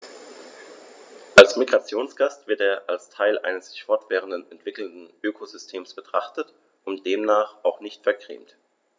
Als Migrationsgast wird er als Teil eines sich fortwährend entwickelnden Ökosystems betrachtet und demnach auch nicht vergrämt.